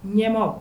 Ɲɛma